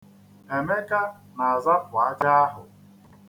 Emeka na-azapụ aja ahụ.